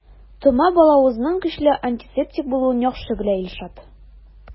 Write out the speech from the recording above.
Тома балавызның көчле антисептик булуын яхшы белә Илшат.